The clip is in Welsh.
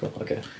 Cŵl ocê.